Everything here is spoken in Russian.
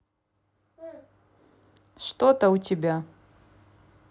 что то у тебя